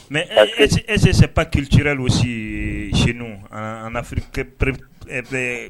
Mɛ ɛ eszsɛp kirici si sen anfip bɛ